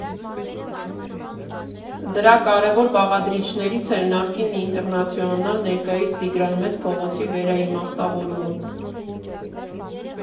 Դրա կարևոր բաղադրիչներից էր նախկին Ինտերնացիոնալ, ներկայիս Տիգրան Մեծ փողոցի վերաիմաստավորումը։